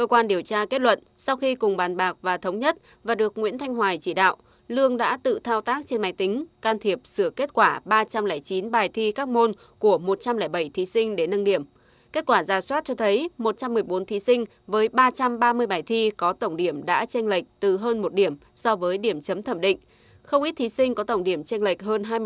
cơ quan điều tra kết luận sau khi cùng bàn bạc và thống nhất và được nguyễn thanh hoài chỉ đạo lương đã tự thao tác trên máy tính can thiệp sửa kết quả ba trăm lẻ chín bài thi các môn của một trăm lẻ bảy thí sinh để nâng điểm kết quả rà soát cho thấy một trăm mười bốn thí sinh với ba trăm ba mươi bài thi có tổng điểm đã chênh lệch từ hơn một điểm so với điểm chấm thẩm định không ít thí sinh có tổng điểm chênh lệch hơn hai